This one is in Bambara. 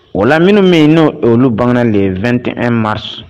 Wala minnu min n'o olu bangelen2tɛnmas